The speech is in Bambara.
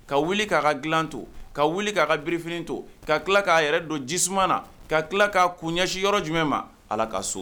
Ka wili k'a ka dilan to, ka wuli k'a birifini to, ka tila k'a yɛrɛ don ji suma la, ka tila ka kun ɲɛsi yɔrɔ jumɛn ma? Aa ka so.